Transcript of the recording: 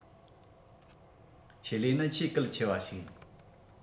ཆེད ལས ནི ཆེས གལ ཆེ བ ཡིན